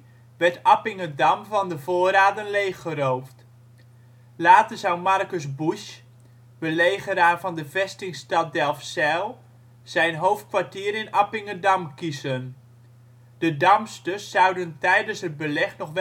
van de voorraden leeggeroofd. Later zou Marcus Busch, belegeraar van de vestingstad Delfzijl, zijn hoofdkwartier in Appingedam kiezen. De Damsters zouden tijdens het beleg nog